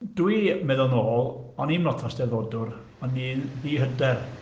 Dwi, meddwl nôl, o'n i'm lot o eisteddfodwr, o'n i'n ddi-hyder.